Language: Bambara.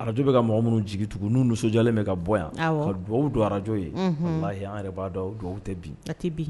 araj bɛ ka mɔgɔ minnu jigin tugun n'u muso nisɔnjɛlen bɛ ka bɔ yan ka dugawu don arajo ye yan yɛrɛ b' dɔn dugawu tɛ bin a tɛ bi